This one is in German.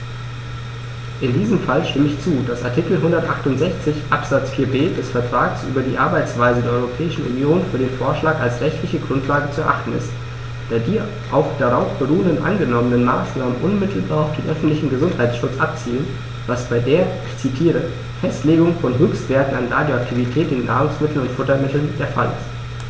In diesem Fall stimme ich zu, dass Artikel 168 Absatz 4b des Vertrags über die Arbeitsweise der Europäischen Union für den Vorschlag als rechtliche Grundlage zu erachten ist, da die auf darauf beruhenden angenommenen Maßnahmen unmittelbar auf den öffentlichen Gesundheitsschutz abzielen, was bei der - ich zitiere - "Festlegung von Höchstwerten an Radioaktivität in Nahrungsmitteln und Futtermitteln" der Fall ist.